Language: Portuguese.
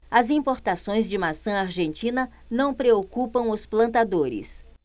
as importações de maçã argentina não preocupam os plantadores